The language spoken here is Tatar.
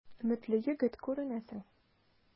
Өметле егет күренәсең.